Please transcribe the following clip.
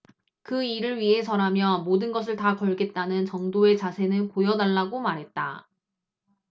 그 일을 위해서라면 모든 것을 다 걸겠다는 정도의 자세는 보여달라고 말했다